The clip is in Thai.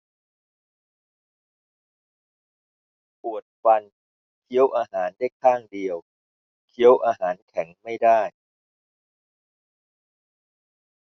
ปวดฟันเคี้ยวอาหารได้ข้างเดียวเคี้ยวอาหารแข็งไม่ได้